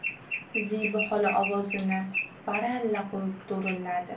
zebi xola ovozini baralla qo'yib do'rilladi